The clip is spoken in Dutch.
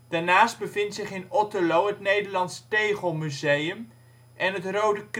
Daarnaast bevindt zich in Otterlo het Nederlands Tegelmuseum en het Rode